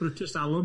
Brutus alum.